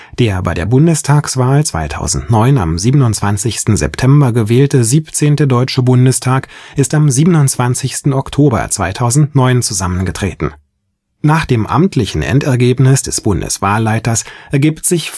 Der bei der Bundestagswahl 2009 am 27. September gewählte 17. Deutsche Bundestag ist am 27. Oktober 2009 zusammengetreten. Nach dem amtlichen Endergebnis des Bundeswahlleiters ergibt sich